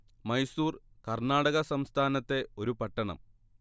മൈസൂർ കർണാടക സംസ്ഥാനത്തെ ഒരു പട്ടണം